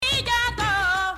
I y'a taa